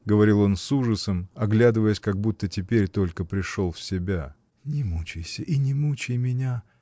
— говорил он с ужасом, оглядываясь, как будто теперь только пришел в себя. — Не мучайся и не мучай меня.